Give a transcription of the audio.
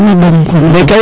xana ɗom xana ɗom